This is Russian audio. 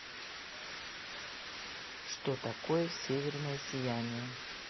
что такое северное сияние